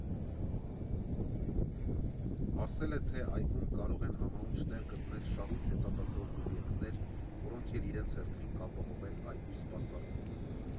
Ասել է թե, այգում կարող են համահունչ տեղ գտնել շահույթ հետապնդող օբյեկտներ, որոնք էլ իրենց հերթին կապահովեն այգու սպասարկումը։